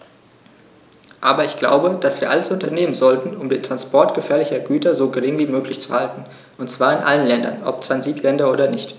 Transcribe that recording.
Aber ich glaube, dass wir alles unternehmen sollten, um den Transport gefährlicher Güter so gering wie möglich zu halten, und zwar in allen Ländern, ob Transitländer oder nicht.